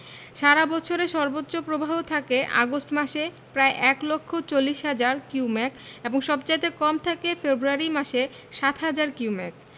সারা বৎসরের সর্বোচ্চ প্রবাহ থাকে আগস্ট মাসে প্রায় এক লক্ষ চল্লিশ হাজার কিউমেক এবং সবচাইতে কম থাকে ফেব্রুয়ারি মাসে ৭হাজার কিউমেক